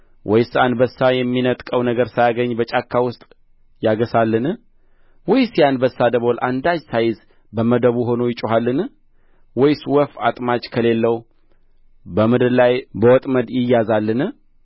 ወይስ አንበሳ የሚነጥቀው ነገር ሳያገኝ በጫካ ውስጥ ያገሣልን ወይስ የአንበሳ ደቦል አንዳች ሳይዝ በመደቡ ሆኖ ይጮኻልን ወይስ ወፍ አጥማጅ ከሌለው በምድር ላይ በወጥመድ ይያዛልን